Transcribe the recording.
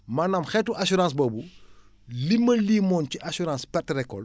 maanaam xeetu assurance boobu li ma limoon ci assurance perte récolte